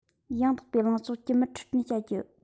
ཡང དག པའི གླེང ཕྱོགས ཀྱིས མིར ཁྲིད སྟོན བྱ རྒྱུ